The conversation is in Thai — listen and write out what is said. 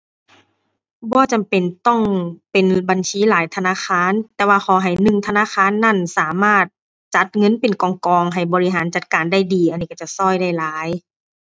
บ่จำเป็นต้องเป็นบัญชีหลายธนาคาร แต่ว่าขอให้หนึ่งธนาคารนั้นสามารถจัดเงินเป็นกองกองให้บริหารจัดการได้ดี อันนี้ก็จะก็ได้หลาย